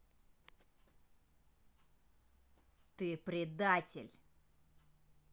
ты предатель